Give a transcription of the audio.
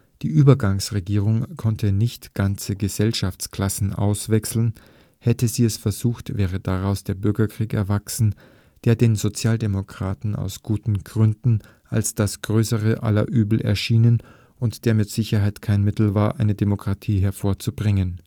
Die Übergangsregierung konnte nicht ganze Gesellschaftsklassen auswechseln. Hätte sie es versucht, wäre daraus der Bürgerkrieg erwachsen, der den Sozialdemokraten aus guten Gründen als das größte aller Übel erschien und der mit Sicherheit kein Mittel war, eine Demokratie hervorzubringen